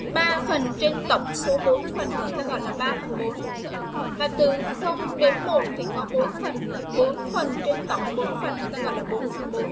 phần trăm tổng số phần trăm người ta gọi là phần trăm từ đến thì có phần phần trên tổng phần người ta gọi là